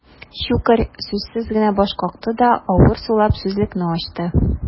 Щукарь сүзсез генә баш какты да, авыр сулап сүзлекне ачты.